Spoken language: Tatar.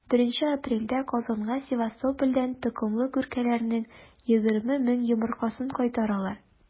1 апрельдә казанга ставропольдән токымлы күркәләрнең 20 мең йомыркасын кайтаралар.